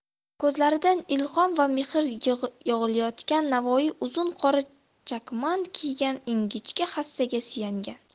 ko'zlaridan ilhom va mehr yog'ilayotgan navoiy uzun qora chakmon kiygan ingichka hassaga suyangan